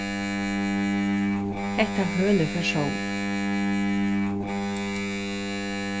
hetta hølið fær sól